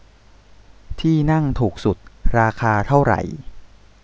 ที่นั่งถูกสุดราคาเท่าไหร่